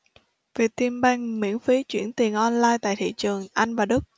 vietinbank miễn phí chuyển tiền online tại thị trường anh và đức